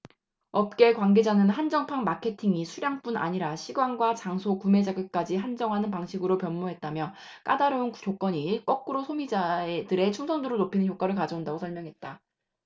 업계 관계자는 한정판 마케팅이 수량뿐 아니라 시간과 장소 구매자격까지 한정하는 방식으로 변모했다며 까다로운 조건이 거꾸로 소비자들의 충성도를 높이는 효과를 가져온다고 설명했다